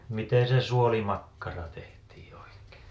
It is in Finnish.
miten se suolimakkara tehtiin oikein